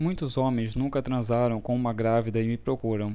muitos homens nunca transaram com uma grávida e me procuram